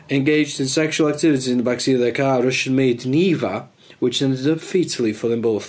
Engaged in sexual activity in the backseat of their car Russian made Niva which ended up fatally for both.